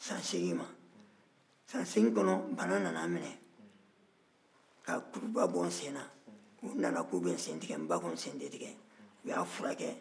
san seegin kɔnɔ bana nana n minɛ ka kuduba bɔ n sen na u nana k'u bɛ nsen tigɛ n ba ko nsen tɛ tigɛ u y'a furakɛ k'a ban